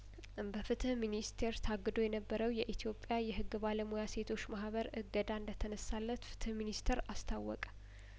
በፍትህ ሚኒስቴር ታግዶ የነበረው የኢትዮጵያ የህግ ባለሙያሴቶች ማህበር እገዳ እንደተነሳለት ፍትህ ሚኒስተር አስታወቀ